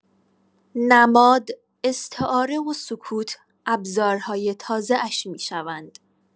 نماد، استعاره و سکوت، ابزارهای تازه‌اش می‌شوند.